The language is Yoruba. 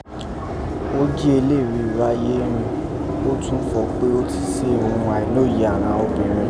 O ji eléèrú iráyé rin ó tọ́n fọ̀ pe o ti se ghun àìnóye àghan obinrẹn.